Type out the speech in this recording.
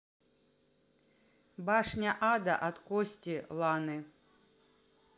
башня ада от кости ланы